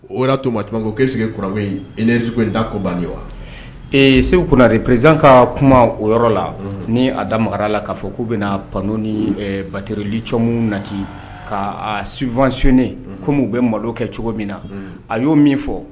O to ma tuma ko k'e sigi kɔrɔ da ko ban wa ee segu kunnare prez ka kuma o yɔrɔ la ni a da maragara la k'a fɔ k'u bɛna pan ni baterli c nati ka sufayni kɔmi u bɛ malo kɛ cogo min na a y'o min fɔ